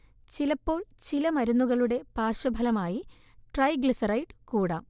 ചിലപ്പോൾ ചില മരുന്നുകളുടെ പാർശ്വഫലമായി ട്രൈഗ്ലിസറൈഡ് കൂടാം